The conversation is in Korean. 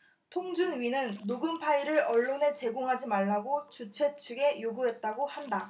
통준위는 녹음 파일을 언론에 제공하지 말라고 주최 측에 요구했다고 한다